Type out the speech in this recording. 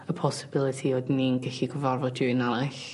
y posibility oedd ni'n gellu cyfarfod rywun arall